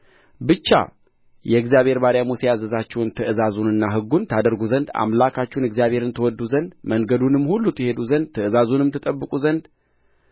ብቻ የእግዚአብሔር ባሪያ ሙሴ ያዘዛችሁን ትእዛዙንና ሕጉን ታደርጉ ዘንድ አምላካችሁን እግዚአብሔርን ትወድዱ ዘንድ መንገዱንም ሁሉ ትሄዱ ዘንድ ትእዛዙንም ትጠብቁ ዘንድ